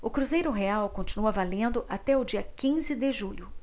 o cruzeiro real continua valendo até o dia quinze de julho